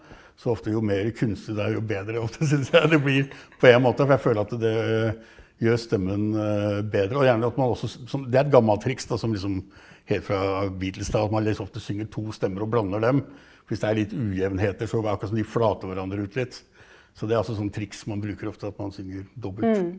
så ofte jo mere kunstig det er, jo bedre, ofte syns jeg det blir på én måte for jeg føler at det gjør stemmen bedre og gjerne at man også som det er et gammalt triks da som liksom helt fra Beatles da at man ofte synger to stemmer og blander dem, for hvis det er litt ujevnheter så akkurat som de flater hverandre ut litt, så det er altså sånn triks man bruker ofte at man synger dobbelt.